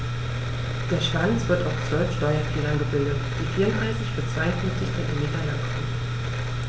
Der Schwanz wird aus 12 Steuerfedern gebildet, die 34 bis 42 cm lang sind.